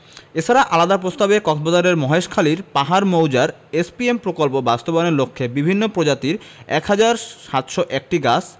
এছাড়া আলাদা প্রস্তাবে কক্সবাজারের মহেশখালীর পাহাড় মৌজার এসপিএম প্রকল্প বাস্তবায়নের লক্ষ্যে বিভিন্ন প্রজাতির ১ হাজার ৭০১টি গাছ